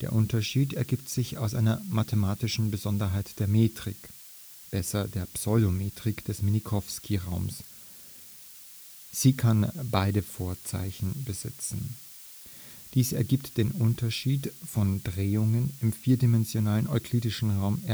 Unterschied ergibt sich aus einer mathematischen Besonderheit der Metrik (besser: Pseudo-Metrik) des Minkowski-Raumes - sie kann beide Vorzeichen besitzen. Dies ergibt den Unterschied von Drehungen im vierdimensionalen euklidischen Raum